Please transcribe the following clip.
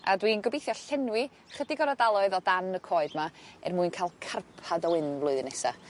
a dwi'n gobeithio llenwi chydig o'r ardaloedd o dan y coed 'ma er mwyn ca'l carpad o wyn flwyddyn nesa.